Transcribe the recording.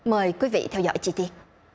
mời quý vị theo dõi chi tiết